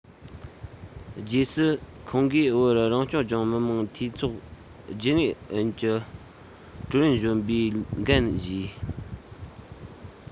རྗེས སུ ཁོང གིས བོད རང སྐྱོང ལྗོངས མི དམངས འཐུས ཚོགས རྒྱུན ཨུད ཀྱི ཀྲུའུ རེན གཞོན པའི འགན བཞེས